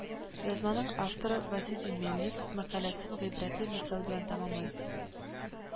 Язманың авторы Васидий Мельник мәкаләсен гыйбрәтле мисал белән тәмамлый